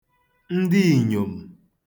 ndịìyòm̀